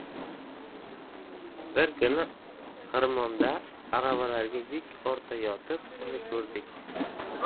bir kuni xirmonda aravalarga yuk ortayotib uni ko'rdik